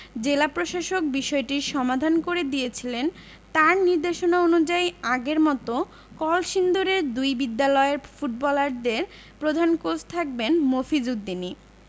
জেলা প্রশাসক বিষয়টির সমাধান করে দিয়েছিলেন তাঁর নির্দেশনা অনুযায়ী আগের মতো কলসিন্দুরের দুই বিদ্যালয়ের ফুটবলারদের প্রধান কোচ থাকবেন মফিজ উদ্দিনই